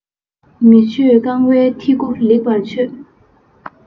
མི ཆོས རྐང བའི ཐི གུ ལེགས པར ཆོད